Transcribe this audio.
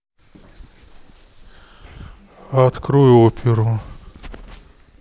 открой оперу